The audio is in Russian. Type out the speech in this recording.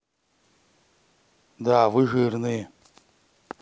да вы жирные